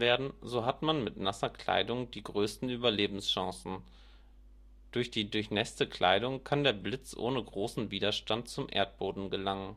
werden, so hat man mit nasser Kleidung die größten Überlebenschancen; durch die durchnässte Kleidung kann der Blitz ohne großen Widerstand zum Erdboden gelangen.